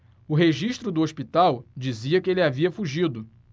o registro do hospital dizia que ele havia fugido